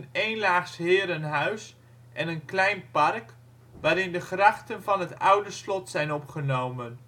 eenlaags herenhuis en een klein park waarin de grachten van het oude slot zijn opgenomen